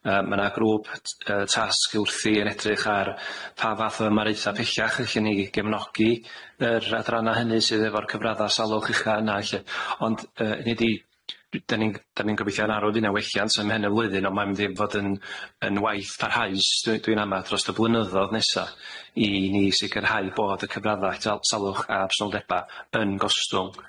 Yy ma' 'na grŵp t- yy tasg wrthi yn edrych ar pa fath o ymareithaf pellach ella ni gefnogi yr adranna' hynny sydd efo'r cyfraddau salwch ucha yna lly, ond hyny di dan ni'n 'dan ni'n gobeithio yn arw fydd na welliant ymhen y flwyddyn ond mae'n mynd i fod yn yn waith parhaus dwi dwi'n ama drost y blynyddodd nesa, i ni sicrhau bod y cyfraddau tal- salwch a personoldeba' yn gostwng.